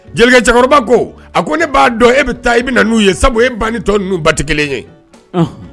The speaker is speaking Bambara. Jelikɛ cɛkɔrɔba ko a ko ne b'a dɔn e bɛ taa i bɛ na n'u ye sabu e ban ni tɔ nu ba tɛ kelen ye